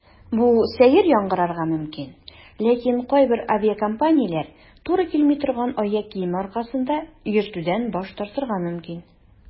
Бу сәер яңгырарга мөмкин, ләкин кайбер авиакомпанияләр туры килми торган аяк киеме аркасында йөртүдән баш тартырга мөмкин.